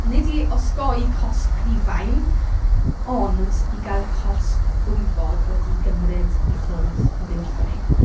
Nid i osgoi cosb Rhufain, ond i gael cosb ddwyfol wedi'i gymryd i ffwrdd oddi wrthon ni.